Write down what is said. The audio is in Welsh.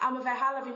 A ma' fe hala fi